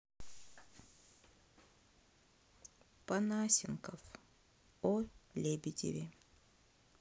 понасенков о лебедеве